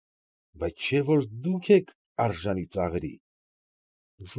Բայց չէ՞ որ դուք եք արժանի ծաղրի։